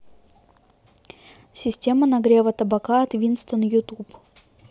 система нагрева табака от винстон ютуб